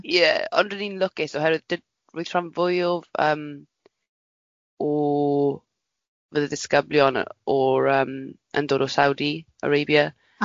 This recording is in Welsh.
Ie, ond o'n i'n lwcus oherwydd dy- roedd rhan fwya o yym o fy y disgyblion yy o'r yym yn dod o Saudi Arabia.